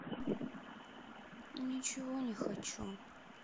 ничего не хочу